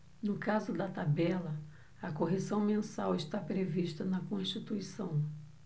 no caso da tabela a correção mensal está prevista na constituição